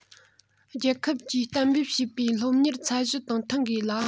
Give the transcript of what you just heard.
རྒྱལ ཁབ ཀྱིས གཏན འབེབས བྱས པའི སློབ གཉེར ཚད གཞི དང མཐུན དགོས ལ